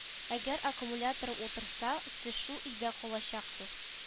Әгәр аккумуляторым утырса сез шул илдә калачаксыз